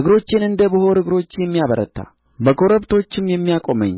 እግሮቼን እንደ ብሆር እግሮች የሚያበረታ በኮረብቶችም የሚያቆመኝ